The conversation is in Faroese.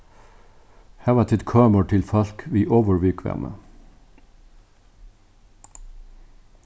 hava tit kømur til fólk við ovurviðkvæmi